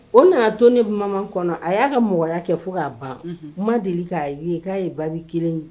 O nana to ni bamanan kɔnɔ a y'a ka mɔgɔya kɛ fo k ka'a ban kuma deli k'a yeye k'a ye babi kelen ye